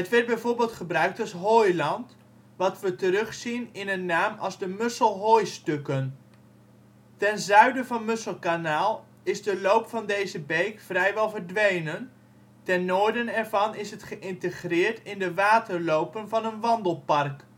werd bijvoorbeeld gebruikt als hooiland, wat we terugzien in een naam als de Musselhooistukken. Ten zuiden van Musselkanaal is de loop van deze beek vrijwel verdwenen, ten noorden ervan is het geïntegreerd in de waterlopen van een wandelpark